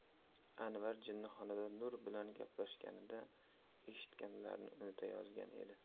anvar jinnixonada nur bilan gaplashganida eshitganlarini unutayozgan edi